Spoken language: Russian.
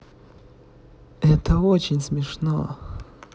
это очень смешно